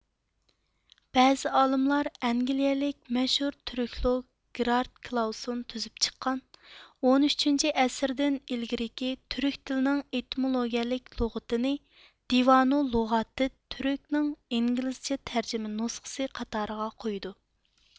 بەزى ئالىملار ئەنگىلىيىلىك مەشھۇر تۈرۈكلوگ گېرارد كلاۋسون تۈزۈپ چىققان ئون ئۈچىنچى ئەسىردىن ئىلگىرىكى تۈرك تىلىنىڭ ئېتىمولوگىيىلىك لۇغىتى نى دىۋانۇ لۇغاتىت تۈرك نىڭ ئىنگلىزچە تەرجىمە نۇسخىسى قاتارىغا قويىدۇ